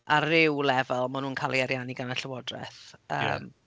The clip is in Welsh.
Ar ryw lefel maen nhw'n cael eu ariannu gan y llywodraeth.